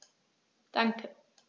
Danke.